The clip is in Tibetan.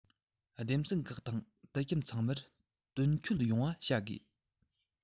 སྡེ ཚན ཁག དང ཁྱིམ དུད ཚང མར དོན འཁྱོལ ཡོང བ བྱ དགོས